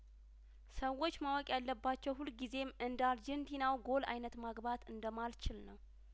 ሰዎች ማወቅ ያለባቸው ሁልጊዜም እንደአርጀንቲናው ጐል አይነት ማግባት እንደማልችል ነው